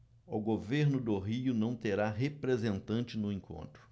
o governo do rio não terá representante no encontro